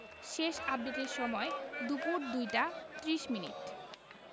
শেষ আপডেটের সময় দুপুর ২টা ৩০ মিনিট